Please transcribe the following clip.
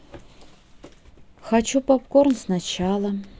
хочу попкорн сначала